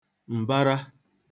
m̀bara